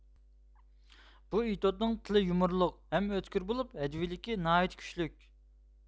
بۇ ئېتوتنىڭ تىلى يۇمۇرلۇق ھەم ئۆتكۈر بولۇپ ھەجۋىيلىكى ناھايىتى كۈچلۈك